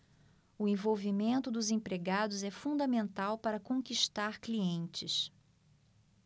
o envolvimento dos empregados é fundamental para conquistar clientes